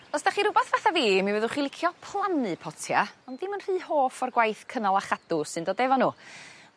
Os 'dach chi rwbath fatha fi mi fyddwch chi licio plannu potia ond dim yn rhy hoff o'r gwaith cynnal a chadw sy'n dod efo n'w.